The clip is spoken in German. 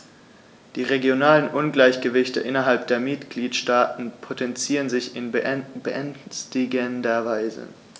Die regionalen Ungleichgewichte innerhalb der Mitgliedstaaten potenzieren sich in beängstigender Weise.